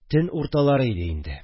Төн урталары иде инде